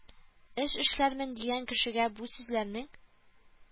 Эш эшләрмен дигән кешегә бу сүзләрнең